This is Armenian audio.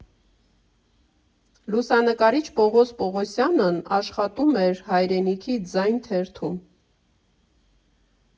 Լուսանկարիչ Պողոս Պողոսյանն աշխատում էր «Հայրենիքի ձայն» թերթում։